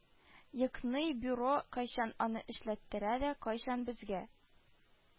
Ектный бюро кайчан аны эшләттерә дә, кайчан безгә